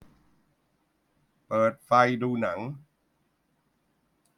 เปิดไฟดูหนัง